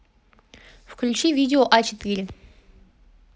включить видео а четыре